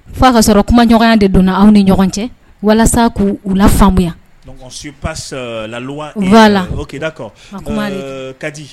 F'a ka sɔrɔ kumaɲɔgɔnya de donna anw ni ɲɔgɔn cɛ walasa k'u u la faamuyaya